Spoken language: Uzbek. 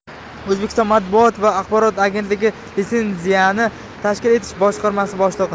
o'zbekiston matbuot va axborot agentligi litsenziyani tashkil etish boshqarmasi boshlig'i